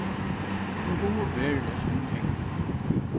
hon dugir veruliga síni ting